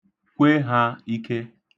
Kwe ha ike.